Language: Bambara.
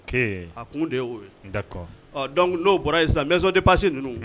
A kun de ye dɔnku dɔwo bɔra yen sisan m de pasi ninnu